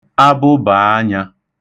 abụbàanyā